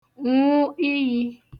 nwụ iyī